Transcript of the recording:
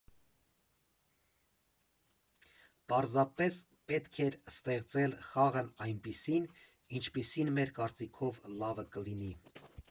Պարզապես պետք էր ստեղծել խաղն այնպիսին, ինչպիսին մեր կարծիքով լավը կլինի։